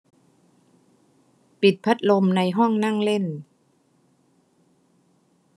ปิดพัดลมในห้องนั่งเล่น